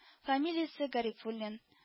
Фамилиясе гарифуллин